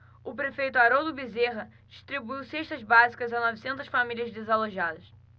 o prefeito haroldo bezerra distribuiu cestas básicas a novecentas famílias desalojadas